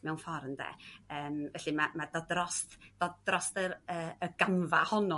mewn ffor' ynde? Yym felly ma' ma' dod drost dod drosty y y gamfa honno